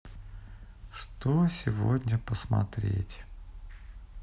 что сегодня посмотреть